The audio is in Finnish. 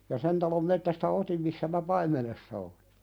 ja sen talon metsästä otin missä minä paimenessa olin